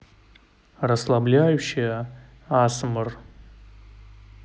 расслабляющее асмр